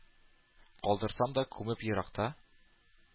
Калдырсам да күмеп еракта